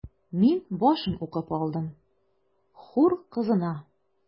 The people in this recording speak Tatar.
Мин башын укып алдым: “Хур кызына”.